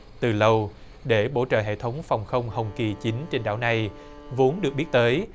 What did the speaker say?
từ lâu để bổ trợ hệ thống phòng không hồng kỳ chín trên đảo này vốn được biết tới